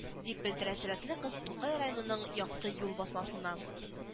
– дип белдерә сәләтле кыз тукай районының якты юл басмасына